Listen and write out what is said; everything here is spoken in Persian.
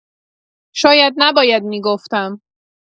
شاید نباید می‌گفتم.